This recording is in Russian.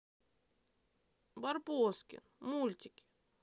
барбоскин мультики